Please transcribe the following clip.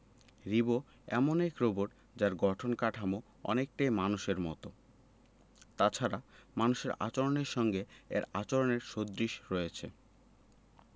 রিবো এমন এক রোবট যার গঠন কাঠামো অনেকটাই মানুষের মতো তাছাড়া মানুষের আচরণের সঙ্গে এর আচরণের সদৃশ্য রয়েছে